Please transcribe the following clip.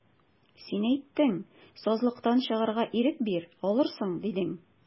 Син әйттең, сазлыктан чыгарга ирек бир, алырсың, дидең.